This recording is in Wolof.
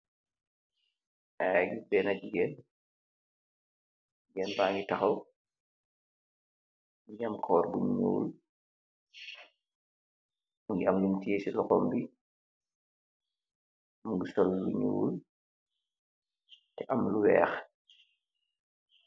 Yaangeh gis bena gigain, gigain baangy takhaw, mungy am kahwar bu njull, mungy am lum tiyeh ci lokhom bii, mungy sol lu njull teh am lu wekh.